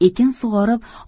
ekin sug'orib